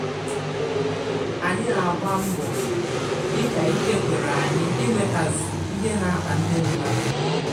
Anyị na-agba mbọ dịka ike kwere anyị inwetazu ihe na-akpa ndị mmadụ.